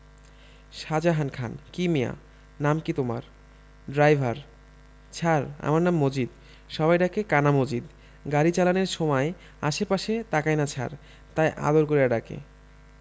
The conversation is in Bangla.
শাজাহান খান কি মিয়া নাম কি তোমার ড্রাইভার ছার আমার নাম মজিদ সবাই ডাকে কানা মজিদ গাড়ি চালানের সুমায় আশে পাশে তাকাইনা ছার তাই আদর কইরা ডাকে...